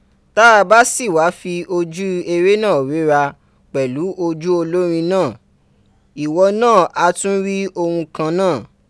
Tá a bá sì wá fi ojú ère náà wéra, pẹ̀lú ojú olórin náà, ìwọ náà á tún rí ohun kan náà.